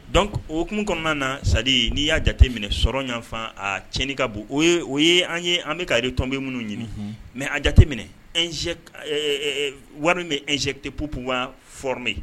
Dɔn okumu kɔnɔna na sadi n'i y'a jate minɛ sɔrɔ ɲɔgɔnfan a tiɲɛnin ka bon o ye o ye an ye an bɛ ka ye tɔnbe minnu ɲini mɛ a jate minɛz wari min bɛ ezetepba fmɛ